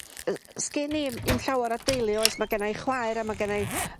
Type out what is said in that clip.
Yy sgin i'm 'im llawer o deulu oes ma' genna i chwaer a ma' genna i